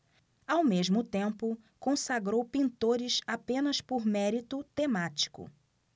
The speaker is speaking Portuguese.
ao mesmo tempo consagrou pintores apenas por mérito temático